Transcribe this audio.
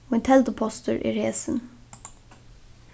mín teldupostur er hesin